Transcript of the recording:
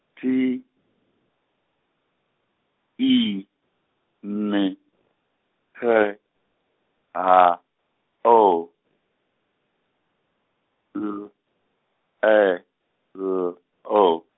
T, E, N, P, A, O, L, E, L, O.